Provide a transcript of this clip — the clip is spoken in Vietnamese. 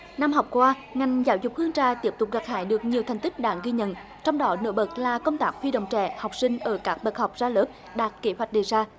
năm học qua ngành giáo dục hương trà tiếp tục gặt hái được nhiều thành tích đáng ghi nhận trong đó nổi bật là công tác huy động trẻ học sinh ở các bậc học ra lớp đạt kế hoạch đề ra